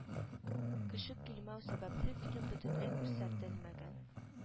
Кеше килмәү сәбәпле фильм бөтенләй күрсәтелмәгән